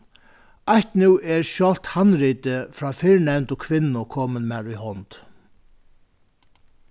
eitt nú er sjálvt handritið hjá fyrrnevndu kvinnu komið mær í hond